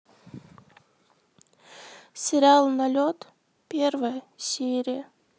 сериал налет первая серия